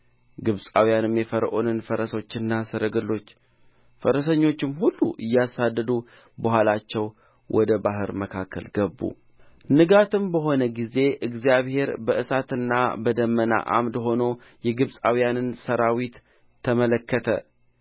ግብፃውያንም የፈርዖን ፈረሶችና ሰረገሎች ፈረሰኞቹም ሁሉ እያሳደዱ በኋላቸው ወደ ባሕር መካከል ገቡ ንጋትም በሆነ ጊዜ እግዚአብሔር በእሳትና በደመና ዓምድ ሆኖ የግብፃውያንን ሠራዊት ተመለከተ